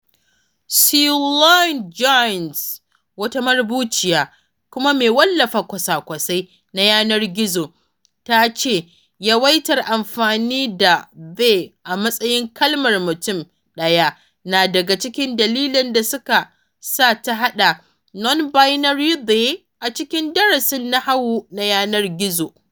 Sue Lyon-Jones, wata marubuciya kuma mai wallafa kwasa-kwasai na yanar-gizo, ta ce yawaitar amfani da “they” a matsayin kalmar mutum daya na daga cikin dalilan da suka sa ta haɗa “nonbinary they” a cikin darasin nahawu na yanar gizo.